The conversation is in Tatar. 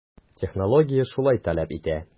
Технология шулай таләп итә.